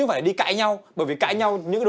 phải đi cãi nhau bởi vì cãi nhau những